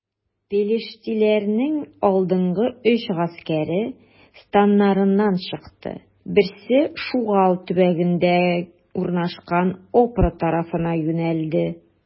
Пелештиләрнең алдынгы өч гаскәре, станнарыннан чыкты: берсе Шугал төбәгендә урнашкан Опра тарафына юнәлде.